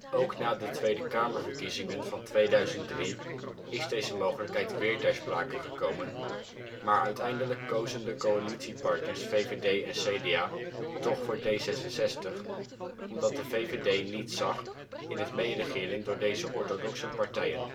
Ook na de Tweede Kamerverkiezingen van 2003 is deze mogelijkheid weer ter sprake gekomen, maar uiteindelijk kozen de coalitiepartners VVD en CDA toch voor D66, omdat de VVD niets zag in het meeregeren door deze orthodoxe partijen